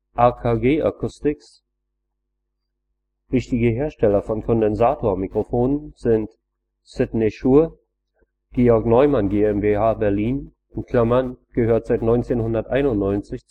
AKG Acoustics. Wichtige Hersteller von Kondensatormikrofonen: Sidney Shure Georg Neumann GmbH Berlin (gehört seit 1991